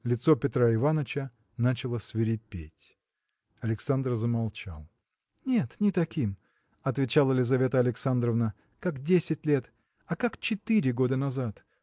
Лицо Петра Иваныча начало свирепеть. Александр замолчал. – Нет не таким – отвечала Лизавета Александровна – как десять лет а как четыре года назад